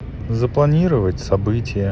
запланировать событие